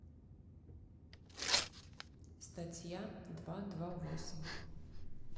статья два два восемь